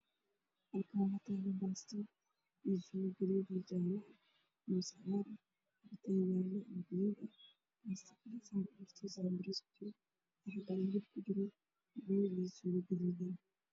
Oo meeshaan waa saxan ayaa yaalo farabadan waxa ay saaranyihiin miis waxa kujiro cuntooyin moos